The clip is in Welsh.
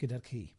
Gyda'r ci.